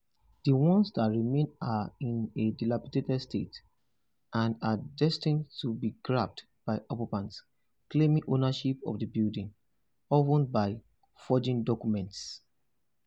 The ones that remain are in a dilapidated state and are destined to be grabbed by occupants claiming ownership of the buildings (often by forging documents).